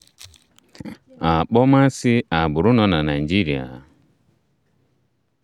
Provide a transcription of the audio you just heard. akpọmasị agbụrụ nọ na Naịjirịa